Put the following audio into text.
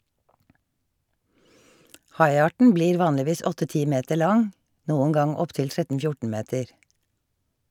Haiarten blir vanligvis åtte-ti meter lang, noen gang opptil 13-14 meter.